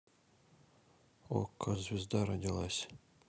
окко звезда родилась